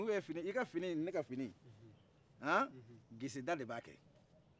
i ka fini in ni ne ka fini in han geseda de b' a kɛ